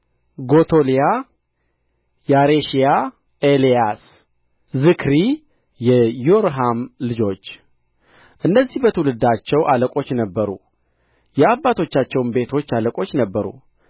ጎቶልያ ያሬሽያ ኤልያስ ዝክሪ የይሮሐም ልጆች እነዚህ በትውልዶቻቸው አለቆች ነበሩ የአባቶቻቸው ቤቶች አለቆች ነበሩ